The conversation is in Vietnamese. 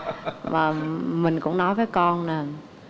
mà mình cũng nói với con là